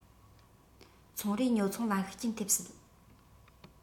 ཚོང རའི ཉོ ཚོང ལ ཤུགས རྐྱེན ཐེབས སྲིད